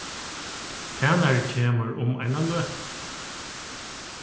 tænari kemur um eina løtu